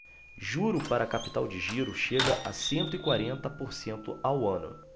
juro para capital de giro chega a cento e quarenta por cento ao ano